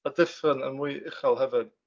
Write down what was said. Mae'r dyffryn yn mwy uchel hefyd.